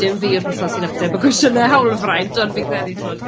Dim fi yw'r person sy'n ateb y cwestiynau hawlfraint, ond fi'n credu timod...